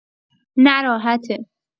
نه راحته